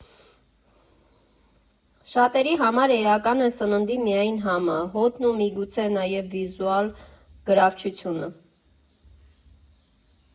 Շատերի համար էական է սննդի միայն համը, հոտն ու, միգուցե, նաև վիզուալ գրավչությունը։